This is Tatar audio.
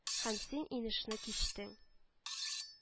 – һәм син инешне кичтең